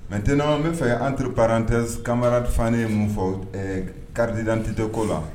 Mɛten n bɛa fɛ antour paprarante kamararifannen mun fɔ karidirantete ko la